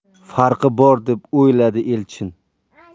farqi bor deb o'yladi elchin